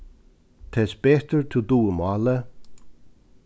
tess betur tú dugir málið